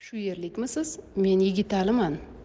shu yerlikmisiz men yigitaliman